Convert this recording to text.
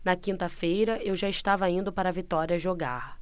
na quinta-feira eu já estava indo para vitória jogar